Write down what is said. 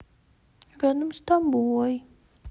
рядом с тобой